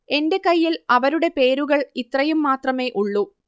എന്റെ കയ്യിൽ അവരുടെ പേരുകൾ ഇത്രയും മാത്രമേ ഉള്ളൂ